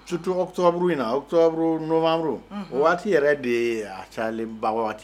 Surtout octobre in na, octobre novenbre , o waati yɛrɛ de ye a cayalenba waati